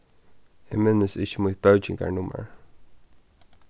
eg minnist ikki mítt bókingarnummar